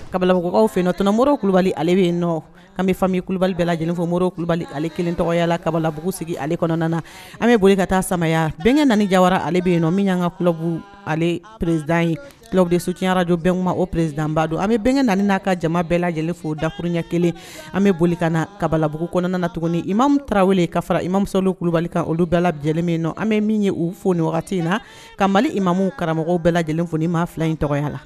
Kabalamɔgɔkaw fɛ nɔ tɔnɔmo kulubali ale bɛ nɔ anmifami ku kulubalibali bɛɛla lajɛlenfɔmo kulubali ale tɔgɔyala kabalabugusigi ale kɔnɔna na an bɛ boli ka taa samaya bɛn naani jayara ale de yen nɔ minyanan ka kubu ale peresid yebudi sutiyaraj bɛnma o peresidba don an bɛ bɛn naani n'a ka jama bɛɛ lajɛlen fo dakurunɲɛ kelen an bɛ boli kan na kabalabugu kɔnɔna na tuguni maw tarawele ka fara imiwbali kan olu bɛɛla lajɛlen min nɔ an bɛ min ye u fo nin wagati in na ka mali i mamu karamɔgɔ bɛɛ lajɛlen f ni maa fila in tɔgɔya la